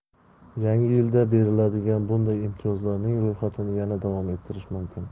yangi yilda beriladigan bunday imtiyozlarning ro'yxatini yana davom ettirish mumkin